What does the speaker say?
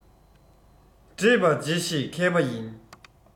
འདྲེས པ འབྱེད ཤེས མཁས པ ཡིན